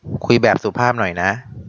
คุยแบบสุภาพหน่อยนะ